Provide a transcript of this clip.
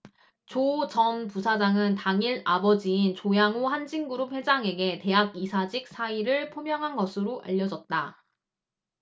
조 전 부사장은 당일 아버지인 조양호 한진그룹 회장에게 대학 이사직 사의를 표명한 것으로 알려졌다